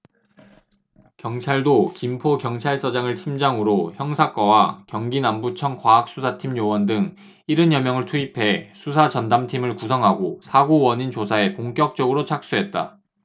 경찰도 김포경찰서장을 팀장으로 형사과와 경기남부청 과학수사팀 요원 등 일흔 여명을 투입해 수사 전담팀을 구성하고 사고 원인 조사에 본격적으로 착수했다